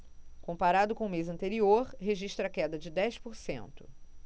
comparado com o mês anterior registra queda de dez por cento